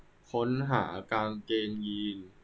ค้นหากางเกงยีน